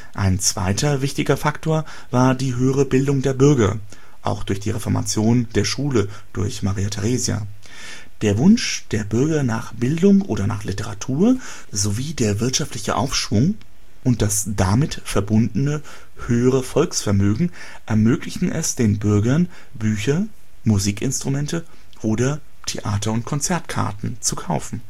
Ein zweiter wichtiger Faktor war die höhere Bildung der Bürger (auch durch die Reformation der Schule durch Maria Theresia), deren Wunsch nach Bildung oder nach Literatur, sowie der wirtschaftliche Aufschwung und das damit verbundene höhere Volksvermögen ermöglichten es den Bürgern Bücher, Musikinstrumente oder Theater - und Konzertkarten zu kaufen